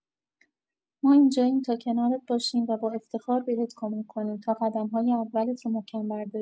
ما اینجاییم تا کنارت باشیم و با افتخار بهت کمک کنیم تا قدم‌های اولت رو محکم برداری!